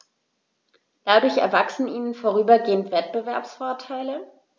Dadurch erwachsen ihnen vorübergehend Wettbewerbsvorteile.